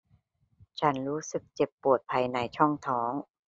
ฉันรู้สึกเจ็บปวดภายในช่องท้อง